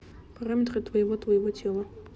параметры твоего твоего тела